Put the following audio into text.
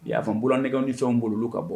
I y'a fɔ n bolola ne ni sɔn bolo ka bɔ